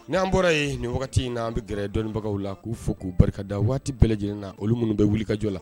N'an bɔra ye nin wagati in na an be gɛrɛ dɔnibagaw la k'u fo k'u barikada waati bɛɛ lajɛlen na olu minnu be wulikajɔ la